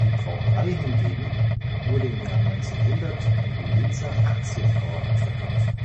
Brauerei hingegen wurde 1900 an die Linzer Aktienbrauerei verkauft